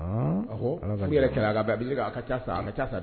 A yɛrɛ ka a